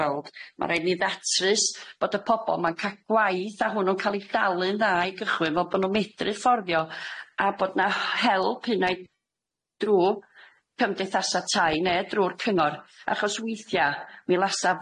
weld ma' raid ni ddatrys bod y pobol ma'n ca'l gwaith a hwnnw'n ca'l i ddalu'n dda i gychwyn fel bo' nw'n medru fforddio a bod na h- help hynna i drw cymdeithasa tai ne drw'r cyngor achos weithia' mi lasa